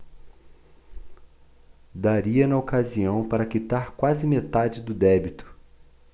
daria na ocasião para quitar quase metade do débito